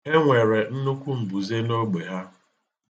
E nwere nnukwu mbuze n'ogbe ha.